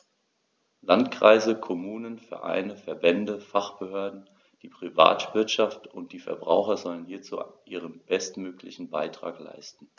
Landkreise, Kommunen, Vereine, Verbände, Fachbehörden, die Privatwirtschaft und die Verbraucher sollen hierzu ihren bestmöglichen Beitrag leisten.